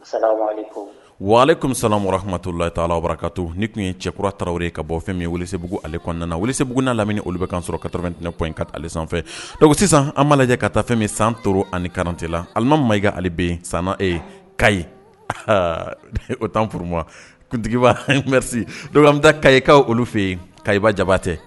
Wa ale tun san mɔgɔ kumatu la a' ala waraka to ni tun ye cɛkura taraweleraw ye ka bɔ fɛn min wuli se bbugu alek wuli se buguna lamini olu bɛ kan sɔrɔ katotiɛnɛ kɔn in kaale sanfɛ sisan an' lajɛ ka taa fɛn min san t ani kanrante la alima ma ikaale bɛ san ka ɲi o tan furu kuntigibame dɔw an bɛ taa ka yekaw olu fɛ yen kaba jaba tɛ